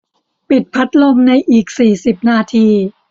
ปิดพัดลมในอีกสี่สิบนาที